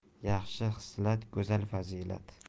yaxshi xislat go'zal fazilat